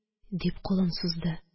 Дип, кулын сузды